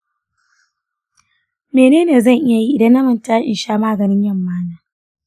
menene zan iya yi idan na manta in sha maganin yama na?